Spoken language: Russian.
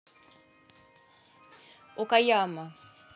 окаяма